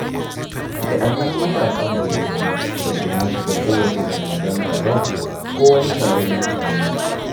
Waɗannan matasan guda biyu ba su ma shiga kowace zangazanga ba ko wani taron mutane.